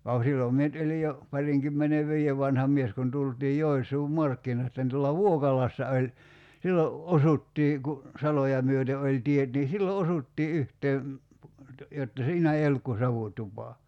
vaan kun silloin minä nyt olin jo parinkymmenenviiden vanha mies kun tultiin Joensuun markkinoista niin tuolla Vuokalassa oli silloin osuttiin kun saloja myöten oli tiet niin silloin osuttiin yhteen jotta siinä ei ollut kuin savutupa